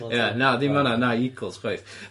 Ie na dim wnna na Eagles chwaith.